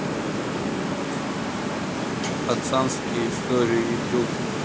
пацанские истории ютуб